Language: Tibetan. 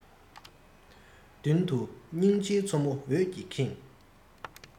མདུན དུ སྙིང རྗེའི མཚོ མོ འོད ཀྱིས ཁེངས